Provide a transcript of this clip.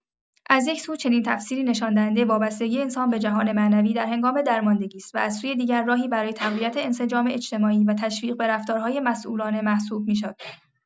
از یک‌سو، چنین تفسیری نشان‌دهنده وابستگی انسان به جهان معنوی در هنگام درماندگی است و از سوی دیگر، راهی برای تقویت انسجام اجتماعی و تشویق به رفتارهای مسئولانه محسوب می‌شد.